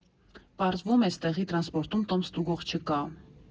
Պարզվում էստեղի տրանսպորտում տոմս ստուգող չկա՜։